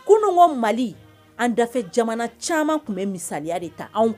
Kunungɔ mali an dafe jamana caman tun bɛ misaya de ta anw kan